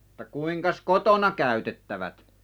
- kuinkas kotona käytettävät